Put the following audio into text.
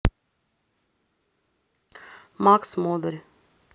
макс модарь